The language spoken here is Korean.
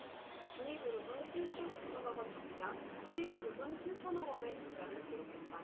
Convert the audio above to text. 중위그룹은 일 조 구천 억원 적자 하위그룹은 칠천 억원 의 적자를 기록했다